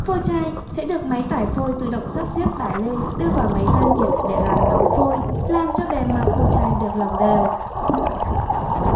phôi chai sẽ được máy tải phôi tự động sắp xếp tải lên đưa vào máy gia nhiệt để làm nóng phôi làm cho bề mặt phôi chai được lỏng đều